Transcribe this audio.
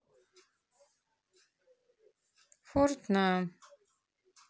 форт на